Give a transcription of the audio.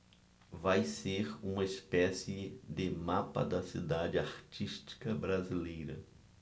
vai ser uma espécie de mapa da cidade artística brasileira